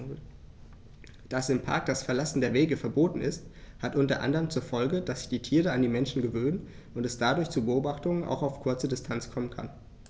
Dass im Park das Verlassen der Wege verboten ist, hat unter anderem zur Folge, dass sich die Tiere an die Menschen gewöhnen und es dadurch zu Beobachtungen auch auf kurze Distanz kommen kann.